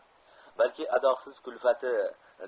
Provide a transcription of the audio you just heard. balki adoqsiz kulfati